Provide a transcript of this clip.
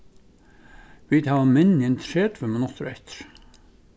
vit hava minni enn tretivu minuttir eftir